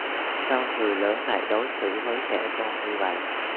sao người lớn lại đối xử với trẻ con như vậy